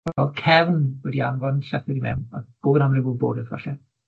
O'dd Cefn wedi anfon llythyr i mewn, a gofyn am ryw wybodeth falle.